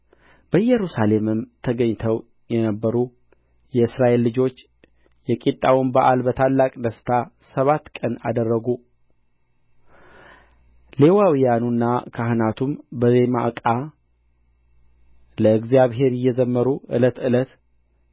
ኢየሩሳሌምም ተገኝተው የነበሩ የእስራኤል ልጆች የቂጣውን በዓል በታላቅ ደስታ ሰባት ቀን አደረጉ ሌዋውያኑና ካህናቱም በዜማ ዕቃ ለእግዚአብሔር እየዘመሩ ዕለት ዕለት